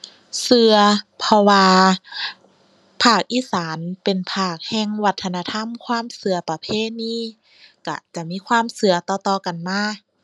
เชื่อ เพราะว่า ภาคอีสานเป็นภาคแห่งวัฒนธรรมความเชื่อ ประเพณี เชื่อจะมีความเชื่อต่อต่อกันมา